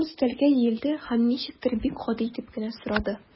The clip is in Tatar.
Ул өстәлгә иелде һәм ничектер бик гади итеп кенә сорады.